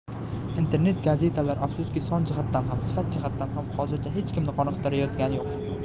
internet gazetalar afsuski son jihatdan ham sifat jihatdan ham hozircha hech kimni qoniqtirayotgani yo'q